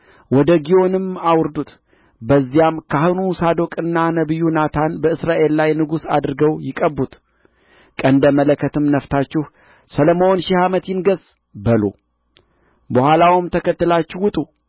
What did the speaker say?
ወደ ግዮንም አውርዱት በዚያም ካህኑ ሳዶቅና ነቢዩ ናታን በእስራኤል ላይ ንጉሥ አድርገው ይቅቡት ቀንደ መለከትም ነፍታችሁ ሰሎሞን ሺህ ዓመት ይንገሥ በሉ በኋላውም ተከትላችሁ ውጡ